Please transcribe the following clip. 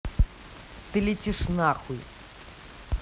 ты летишь нахуй